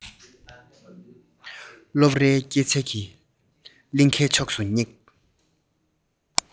སློབ རའི སྐྱེད ཚལ གྱི གླིང གའི ཕྱོགས སུ སྙེག